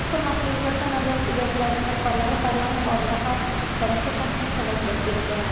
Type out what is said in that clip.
mazkur masala yuzasidan nazorat idoralarining rahbarlari parlament oldida har chorakda shaxsan hisobot berib boradi